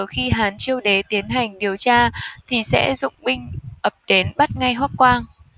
khi hán chiêu đế tiến hành điều tra thì sẽ dụng binh ập đến bắt ngay hoắc quang